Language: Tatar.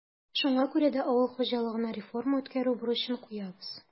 Шуңа күрә дә авыл хуҗалыгына реформа үткәрү бурычын куябыз.